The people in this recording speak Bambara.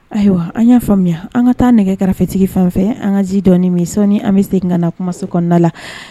Ayiwa an y'a faamuya an ka taa nɛgɛ kɛrɛfɛfetigi fan an ka ji dɔ misonni an bɛ se ka na kumaso kɔnɔna la